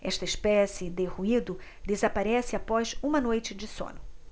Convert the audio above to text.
esta espécie de ruído desaparece após uma noite de sono